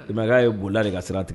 I m'a ye, n k'ale bolila de ka sira tig